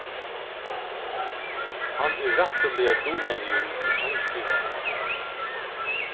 hann er rættiliga dugnaligur sangskrivari